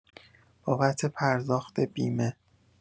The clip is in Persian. بابت پرداخت بیمه